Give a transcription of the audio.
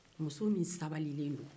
muso min sabali len do